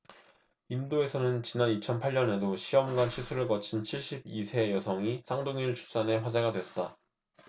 인도에서는 지난 이천 팔 년에도 시험관시술을 거친 칠십 이 세 여성이 쌍둥이를 출산해 화제가 됐다